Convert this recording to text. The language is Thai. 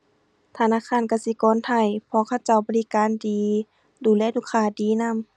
ธนาคารกสิกรไทย เพราะเขาเจ้าบริการดี ดูแลลูกค้าดีนำ